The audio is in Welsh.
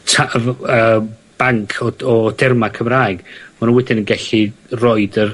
ta- y fy- yym banc o d- o derma Cymraeg, ma' nw wedyn yn gellu roid yr